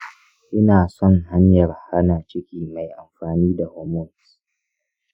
ina son hanyar hana ciki mai amfani da hormones.